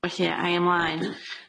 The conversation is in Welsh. Felly ai ymlaen.